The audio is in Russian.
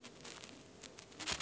юрий быков жить